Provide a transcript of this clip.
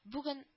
Бүген